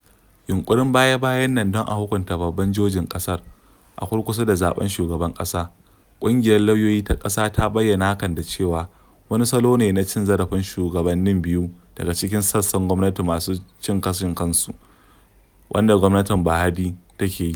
Yunƙurin baya-bayan nan don a hukunta babban jojin ƙasar - a kurkusa da zaɓen shugaban ƙasa - ƙungiyar lauyoyi ta ƙasa ta bayyana hakan da cewa "wani salo ne na cin zarafin shugabannin biyu daga cikin sassan gwamnati masu cin gashin kansu" wanda gwamnatin Buharin take yi.